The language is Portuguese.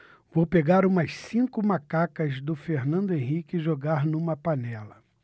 vou pegar umas cinco macacas do fernando henrique e jogar numa panela